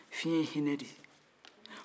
fiɲɛ ye hinɛ de ye